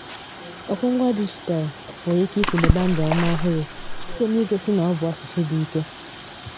Ọdụngwa dijitalụ nwere ike ikunye Bambara ume ọhụrụ site n'igosi na ọ bụ asụsụ dị ike.